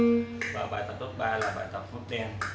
và bài tập thứ ba là bài tập nốt đen